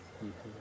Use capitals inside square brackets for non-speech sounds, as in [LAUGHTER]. [HESITATION] [HESITATION]